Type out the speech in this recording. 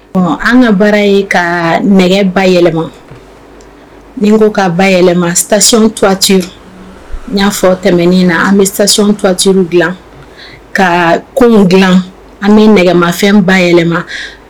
An ka baara ye ka nɛgɛ ba yɛlɛma ni ko ka ba yɛlɛma sayti y'a fɔ tɛmɛnen na an bɛ satiuru dila ka kun dila an bɛ nɛgɛmafɛn ba yɛlɛma